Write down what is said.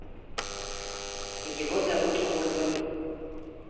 его зовут курбан